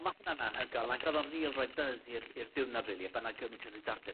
Ma' hwnna'n anhygoel, ag odd o'n ril roi buzz i'r i'r diwrnod rili, a bo' 'na gymint o ddiddordeb